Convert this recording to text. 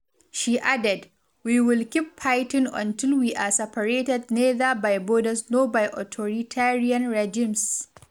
She added: “We will keep fighting until we are separated neither by borders nor by authoritarian regimes.”